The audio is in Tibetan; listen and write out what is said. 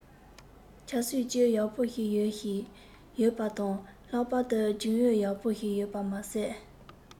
ཆབ སྲིད ཅུད ཡག པོ ཞིག ཡོད ཞིག ཡོད པ དང ལྷག པར དུ རྒྱུན ཨུད ཡག པོ ཞིག ཡོད པ མ ཟད